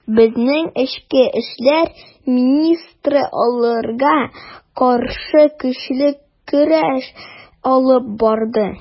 Безнең эчке эшләр министры аларга каршы көчле көрәш алып барды.